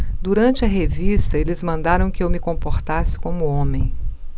durante a revista eles mandaram que eu me comportasse como homem